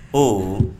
H